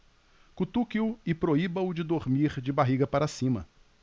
cutuque-o e proíba-o de dormir de barriga para cima